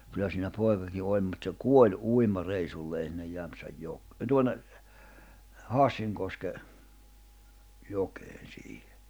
kyllä siinä poikakin oli mutta se kuoli uimareissulleen sinne - tuonne Hassinkoskeen jokeen siihen